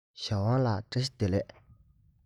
ཞའོ ཝང ལགས བཀྲ ཤིས བདེ ལེགས